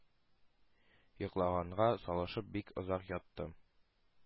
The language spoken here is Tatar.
Йоклаганга салышып бик озак яттым.